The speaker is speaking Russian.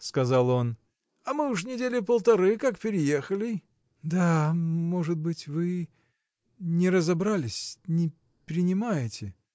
– сказал он, – а мы уж недели полторы как переехали. – Да, может быть, вы. не разобрались, не принимаете?